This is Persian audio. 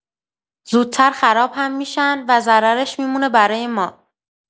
زودتر خراب هم می‌شن و ضررش می‌مونه برای ما.